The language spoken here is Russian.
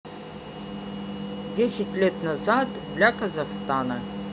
десять лет назад для казахстана